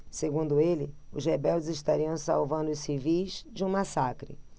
segundo ele os rebeldes estariam salvando os civis de um massacre